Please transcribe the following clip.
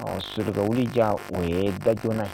Ɔ soba wuli ja o ye da joona ye